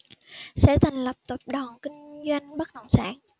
sẽ thành lập tập đoàn kinh doanh bất động sản